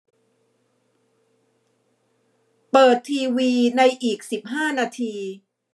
เปิดทีวีในอีกสิบห้านาที